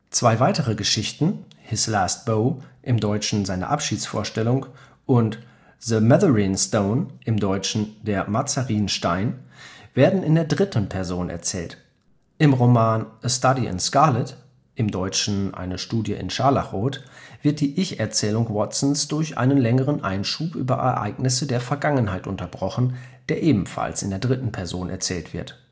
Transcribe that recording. Zwei weitere Geschichten, His Last Bow (dt.: Seine Abschiedsvorstellung) und The Mazarine Stone (dt.: Der Mazarin-Stein) werden in der dritten Person erzählt. Im Roman A Study in Scarlet (dt.: Eine Studie in Scharlachrot) wird die Ich-Erzählung Watsons durch einen längeren Einschub über Ereignisse der Vergangenheit unterbrochen, der ebenfalls in der dritten Person erzählt wird